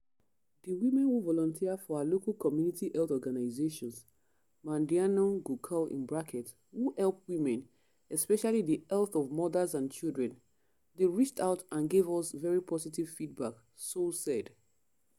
“The women who volunteer for our local community health organization [“Badianou Guokh”] who help women, especially the health of mothers and children … they reached out and gave us very positive feedback,” Sow said.